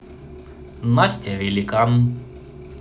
настя великан